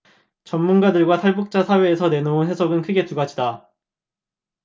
전문가들과 탈북자 사회에서 내놓는 해석은 크게 두 가지다